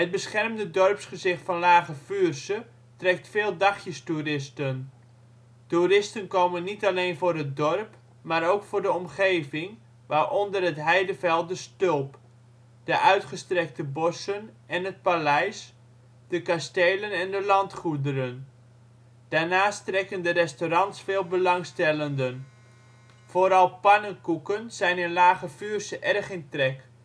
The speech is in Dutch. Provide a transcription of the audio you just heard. beschermde dorpsgezicht van Lage Vuursche trekt veel dagjestoeristen. Toeristen komen niet alleen voor het dorp, maar ook voor de omgeving, waaronder het heideveld De Stulp, de uitgestrekte bossen en het paleis, de kastelen en de landgoederen. Daarnaast trekken de restaurants veel belangstellenden. Vooral pannenkoeken zijn in Lage Vuursche erg in trek